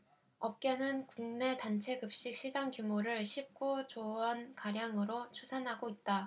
업계는 국내 단체급식 시장 규모를 십 구 조원가량으로 추산하고 있다